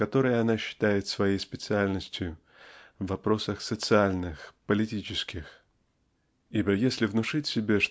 которые она считает своею специальностью -- в вопросах социальных политических. Ибо если внушить себе